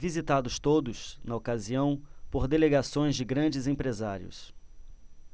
visitados todos na ocasião por delegações de grandes empresários